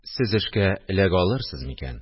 Сез эшкә эләгә алырсыз микән